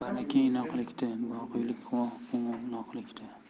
baraka inoqlikda boqiylik quvnoqlikda